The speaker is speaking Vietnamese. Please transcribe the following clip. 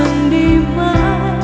đi mãi